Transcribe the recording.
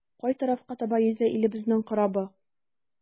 Кай тарафка таба йөзә илебезнең корабы?